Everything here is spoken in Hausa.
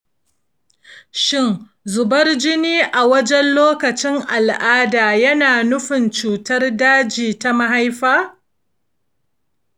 shin zubar jini a wajen lokacin al'ada yana nufin cutar daji ta mahaifa?